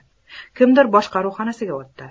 kimdir boshqaruv xonasiga o'tdi